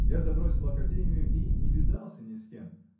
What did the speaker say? Я забросил академию и не видался ни с кем.